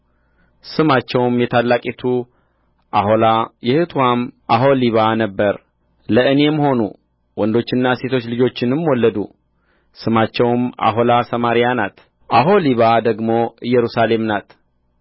ስማቸውም የታላቂቱ ኦሖላ የእኅትዋም ኦሖሊባ ነበረ ለእኔም ሆኑ ወንዶችና ሴቶች ልጆችንም ወለዱ ስማቸውም ኦሖላ ሰማርያ ናት ኦሖሊባ ደግሞ ኢየሩሳሌም ናት